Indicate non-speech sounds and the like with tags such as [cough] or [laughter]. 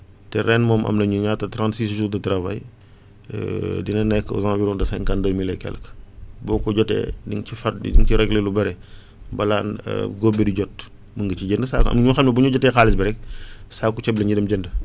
te ren moom am nañu ñaata trente six jours de travail [hesitation] dina nekk au environ de cinquante mille et quelque boo ko jotee na nga ci * di nga ci régler yu bëre balaa [hesitation] góob bi di jot mun nga ci jënd saako am na ñoo xam ne bu ñu jotee xaalis bi rek [breath] saako ceeb la ñuy dem jënd